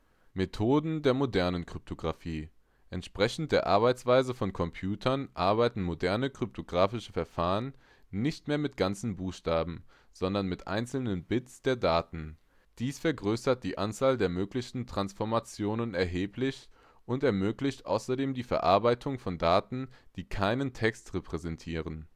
Methoden der modernen Kryptographie: Entsprechend der Arbeitsweise von Computern arbeiten moderne kryptographische Verfahren nicht mehr mit ganzen Buchstaben, sondern mit den einzelnen Bits der Daten. Dies vergrößert die Anzahl der möglichen Transformationen erheblich und ermöglicht außerdem die Verarbeitung von Daten, die keinen Text repräsentieren